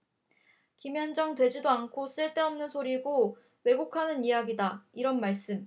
김현정 되지도 않고 쓸데없는 소리고 왜곡하는 이야기다 이런 말씀